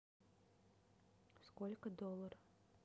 сколько доллар